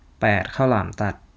แปดข้าวหลามตัด